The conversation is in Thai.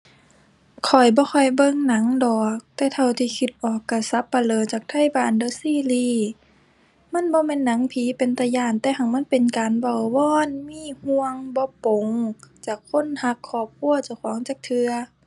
ข้อยบ่ค่อยเบิ่งหนังดอก แต่เท่าที่คิดออกก็สัปเหร่อจากไทบ้าน เดอะซีรีส์ มันบ่แม่นหนังผีเป็นตาย้านแต่หั้นมันเป็นการเว้าวอน มีห่วง บ่ปลง จากคนก็ ครอบครัวเจ้าของจักเทื่อ